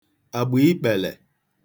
àgbàikpèlè